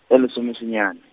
e lesomesenyane.